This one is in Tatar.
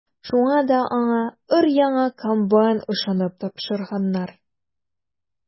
Шуңа да аңа өр-яңа комбайн ышанып тапшырганнар.